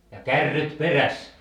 ja kärryt perässä